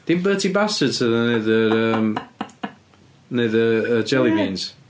Dim Bertie Bassett sydd yn wneud yr yym wneud y jelly beans.